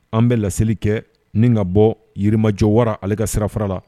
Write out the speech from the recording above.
An bɛ laseli kɛɛ nin ŋa bɔɔ Yirimajɔ Wara ale ka sirafara la